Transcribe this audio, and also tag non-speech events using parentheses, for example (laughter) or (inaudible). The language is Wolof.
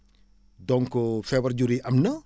donc (hesitation) feebar jur yi am na